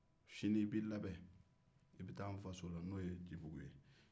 sini i bɛ i labɛn i bɛ taa n'faso la n'o ye ncibugu ye